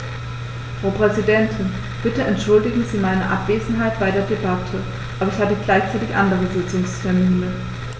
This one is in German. Frau Präsidentin, bitte entschuldigen Sie meine Abwesenheit bei der Debatte, aber ich hatte gleichzeitig andere Sitzungstermine.